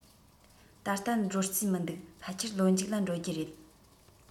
ད ལྟ འགྲོ རྩིས མི འདུག ཕལ ཆེར ལོ མཇུག ལ འགྲོ རྒྱུ རེད